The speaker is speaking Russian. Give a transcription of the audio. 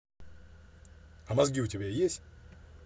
а мозги у тебя есть